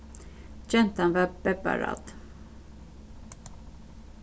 gentan var bebbarædd